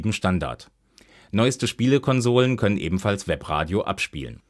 Standard. Neueste Spielekonsolen können ebenfalls Webradio abspielen